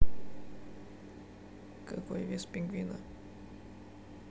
какой вес пингвина